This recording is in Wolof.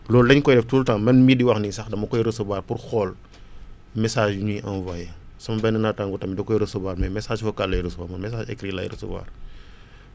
loolu da~koy def tout le temps man mii di wax nii sax dama koy recevoir pour xool messages yi ñuy envoyer sama benn naataangoo tam da koy recevoir mais message vocal lay recevoir man message écrit laay recevoir